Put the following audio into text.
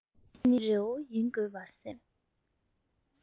འདི ནི རི བོ ཡིན དགོས པར སེམས